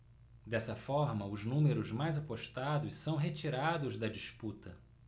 dessa forma os números mais apostados são retirados da disputa